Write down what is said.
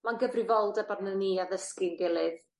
Ma'n gyfrifoldeb arnon ni addysgu'n gilydd.